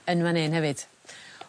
yn fan 'yn hefyd.